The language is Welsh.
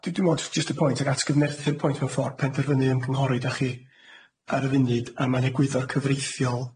Na d- dwi me'wl jyst y point ag atgyfnerthu'r point mewn ffor' penderfynu ymgynghori 'dach chi ar y funud a mae'n egwyddor cyfreithiol,